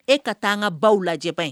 E ka taa an ka baw lajɛ bani